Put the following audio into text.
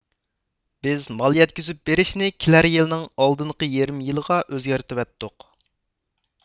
بىز مال يەتكۈزۈپ بېرىشنى كېلەر يىلنىڭ ئالدىنقى يېرىم يىلىغا ئۆزگەرتىۋەتتۇق